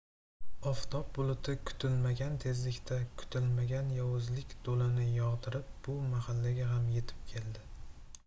oftob buluti kutilmagan tezlikda kutilmagan yovuzlik do'lini yog'dirib bu mahallaga ham yetib keldi